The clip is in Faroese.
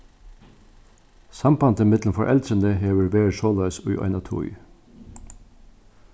sambandið millum foreldrini hevur verið soleiðis í eina tíð